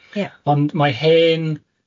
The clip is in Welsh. Ie... Ond mae hen